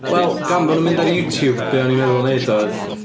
Wel, gan bod nhw'n mynd ar YouTube, be o'n i'n meddwl wneud oedd...